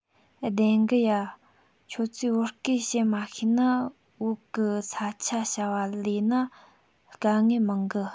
བདེན གི ཡ ཁྱོད ཚོས བོད སྐད བཤད མ ཤེས ན བོད གི ས ཆ བྱ བ ལས ན དཀའ ངལ མང གི